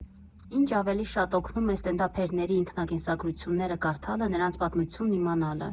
Ինչ ավելի շատ օգնում է ստենդափերների ինքնակենսագրությունները կարդալը, նրանց պատմությունն իմանալը։